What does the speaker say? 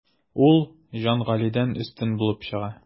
Ул Җангалидән өстен булып чыга.